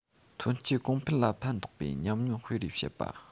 ཐོན སྐྱེད གོང སྤེལ ལ ཕན ཐོགས པའི ཉམས མྱོང སྤེལ རེས བྱེད པ